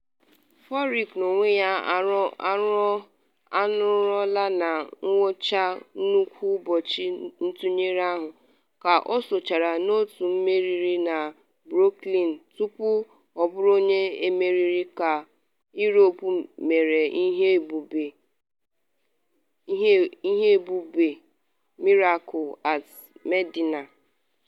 Furyk n’onwe ya anọrọla na ngwucha nnukwu ụbọchị ntugharị ahụ, ka o osochara n’otu meriri na Brookline tupu ọ bụrụ onye emeriri ka Europe mere ihe ebube “Miracle at Medinah.”